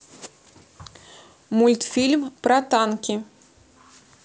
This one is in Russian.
мультфильм про танки